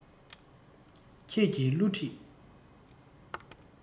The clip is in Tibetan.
ཁྱེད ཀྱི བསླུ བྲིད